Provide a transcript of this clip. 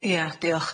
Ia, diolch.